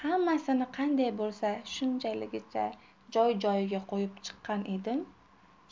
hammasini qandoq bo'lsa shundoqligicha joy joyiga qo'yib chiqqan edim